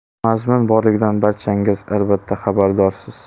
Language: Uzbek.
mazmun borligidan barchangiz albatta xabardorsiz